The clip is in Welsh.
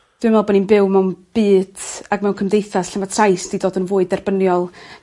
Dwi'n me'wl bo' ni'n byw mewn byd ac mewn cymdeithas lle ma' trais 'di dod yn fwy derbyniol.